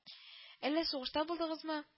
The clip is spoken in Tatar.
- әллә сугышта булдыгызмы